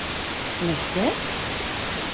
Нәрсә?!